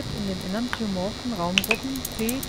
in den enantiomorphen Raumgruppen P